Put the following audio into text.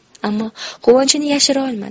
ammo quvonchini yashira olmadi